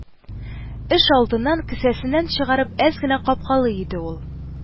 Эш алдыннан, кесәсеннән чыгарып, әз генә капкалый иде ул